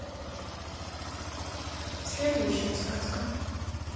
следующая сказка